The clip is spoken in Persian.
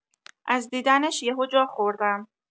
از دیدنش یهو جا خوردم.